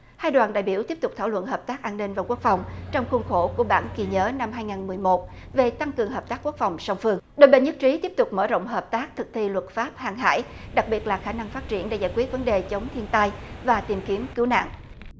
hai đoàn đại biểu tiếp tục thảo luận hợp tác an ninh và quốc phòng trong khuôn khổ của bản ghi nhớ năm hai ngàn mười một về tăng cường hợp tác quốc phòng song phương đôi bên nhất trí tiếp tục mở rộng hợp tác thực thi luật pháp hàng hải đặc biệt là khả năng phát triển để giải quyết vấn đề chống thiên tai và tìm kiếm cứu nạn